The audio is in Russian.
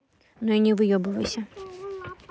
ну и не выебывайся